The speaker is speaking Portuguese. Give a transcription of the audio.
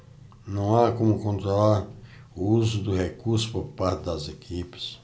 não há como controlar o uso dos recursos por parte das equipes